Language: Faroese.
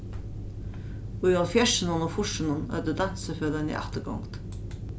í hálvfjerðsunum og fýrsunum høvdu dansifeløgini afturgongd